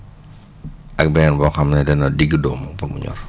ak beneen boo xam ne dana digg dóomu pour mu ñor